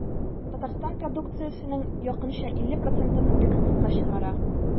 Татарстан продукциясенең якынча 50 процентын экспортка чыгара.